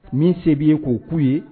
Min se b'i ye o k'u ye.